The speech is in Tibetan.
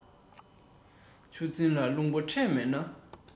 ཆུ འཛིན ལ རླུང བུ འཕྲད མེད ན